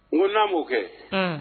N ko n b'o kɛ